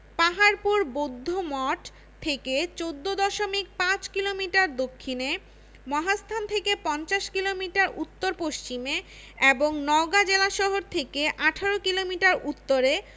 পাহাড়পুর বৌদ্ধমঠ থেকে ১৪দশমিক ৫ কিলোমিটার দক্ষিণে মহাস্থান থেকে পঞ্চাশ কিলোমিটার উত্তর পশ্চিমে এবং নওগাঁ জেলাশহর থেকে ১৮ কিলোমিটার উত্তরে